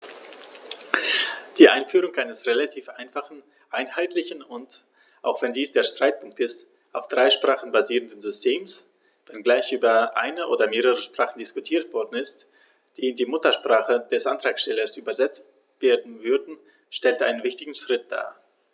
Die Einführung eines relativ einfachen, einheitlichen und - auch wenn dies der Streitpunkt ist - auf drei Sprachen basierenden Systems, wenngleich über eine oder mehrere Sprachen diskutiert worden ist, die in die Muttersprache des Antragstellers übersetzt werden würden, stellt einen wichtigen Schritt dar.